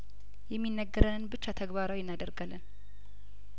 የሚ ነገረንን ብቻ ተግባራዊ እናደርጋለን